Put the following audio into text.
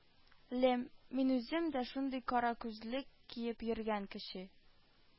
Лем, мин үзем дә шундый кара күзлек киеп йөргән кеше